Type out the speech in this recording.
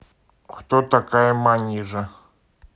кто такая manizha